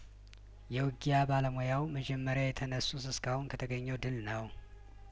የውጊያ ባለሙያው መጀመሪያ የተነሱት እስከ አሁን ከተገኘው ድል ነው